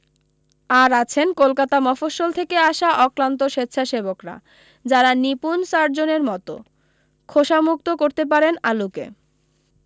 আর আছেন কলকাতা মফস্বল থেকে আসা অক্লান্ত স্বেচ্ছাসেবকরা যারা নিপুণ সার্জেনের মতো খোসামুক্ত করতে পারেন আলুকে